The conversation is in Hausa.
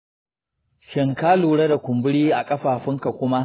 shin ka lura da kumburi a ƙafafunka kuma?